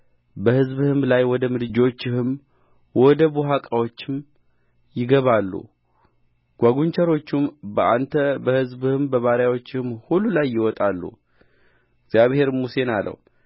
በሕዝብህም ላይ ወደ ምድጆችህም ወደ ቡሃቃዎችህም ይገባሉ ጓጕንቸሮችም በአንተ በሕዝብህም በባሪያዎችም ሁሉ ላይ ይወጣሉ እግዚአብሔርም ሙሴን አለው